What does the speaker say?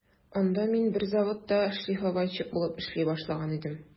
Анда мин бер заводта шлифовальщик булып эшли башлаган идем.